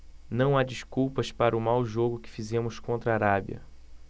não há desculpas para o mau jogo que fizemos contra a arábia